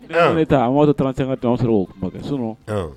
Ne taa an'tɔ taara san ka dɔrɔn sɔrɔ o so